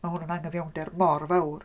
Mae hwn yn anghyfiawnder mor fawr.